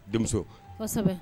Denmuso kosɛbɛ